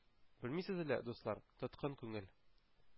Белмисез лә, дуслар, тоткын күңел,